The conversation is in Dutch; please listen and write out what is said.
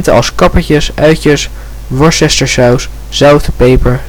als kappertjes, uitjes, worcestersaus, zout, peper